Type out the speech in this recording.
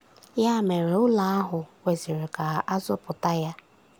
Ya mere, ụlọ ahụ kwesịrị ka a zọpụta ya.